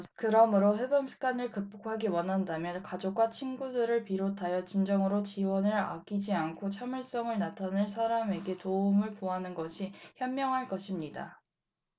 그러므로 흡연 습관을 극복하기 원한다면 가족과 친구를 비롯하여 진정으로 지원을 아끼지 않고 참을성을 나타낼 사람에게 도움을 구하는 것이 현명할 것입니다